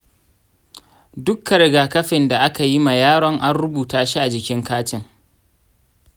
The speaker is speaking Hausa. dukka rigakafin da akayima yaron an rubuta shi a jikin katin.